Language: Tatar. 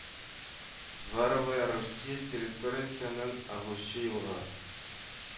Варовая Русия территориясеннән агучы елга